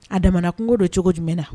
A jamana kungo don cogo jumɛn na